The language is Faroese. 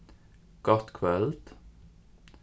gott kvøld